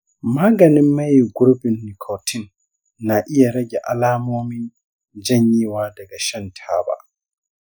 maganin maye gurbin nicotine na iya rage alamomin janyewa daga shan taba.